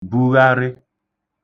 bugharị